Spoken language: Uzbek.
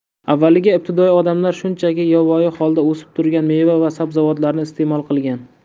avvaliga ibtidoiy odamlar shunchaki yovvoyi holda o'sib turgan meva va sabzavotlarni iste'mol qilgan